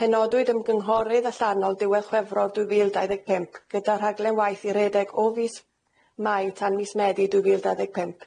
Penodwyd ymgynghorydd allanol diwedd Chwefror dwy fil dau ddeg pump, gyda rhaglen waith i redeg o fis Mai tan mis Medi dwy fil dau ddeg pump.